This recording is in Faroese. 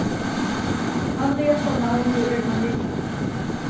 vanligasta navnið er maria